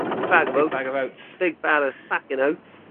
Bag of oats. Big bag of oats. Big bag of fuckin oats.